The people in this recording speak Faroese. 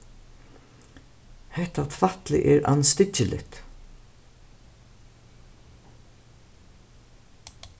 hetta tvætlið er andstyggiligt